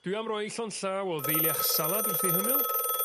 Dwi am roi llon' llaw o ddeuliach salad wrth 'u hymyl.